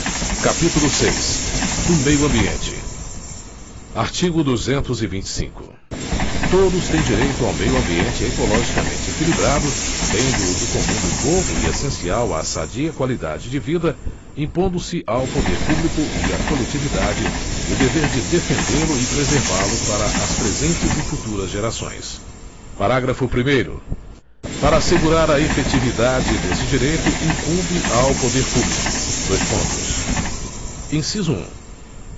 capítulo seis do meio ambiente artigo duzentos e vinte e cinco todos têm direito ao meio ambiente ecologicamente equilibrado bem de uso comum do povo e essencial à sadia qualidade de vida impondo se ao poder público e à coletividade o dever de defendê lo e preservá lo para as presentes e futuras gerações parágrafo primeiro para assegurar a efetividade desse direito incumbe ao poder público dois pontos inciso um